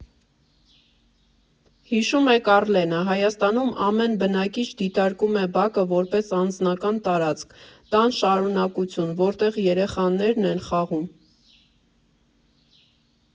֊ հիշում է Կառլենը, ֊ Հայաստանում ամեն բնակիչ դիտարկում է բակը որպես անձնական տարածք, տան շարունակություն, որտեղ երեխաներն են խաղում։